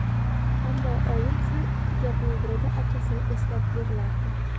ammo oyim har ikki gapning birida akasini eslab yig'lardi